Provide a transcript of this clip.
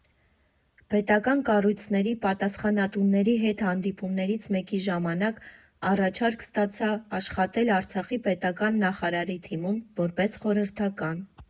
Պետական կառույցների պատասխանատուների հետ հանդիպումներից մեկի ժամանակ առաջարկ ստացա աշխատել Արցախի պետական նախարարի թիմում որպես խորհրդական։